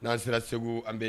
N'an sera segu an bɛ yen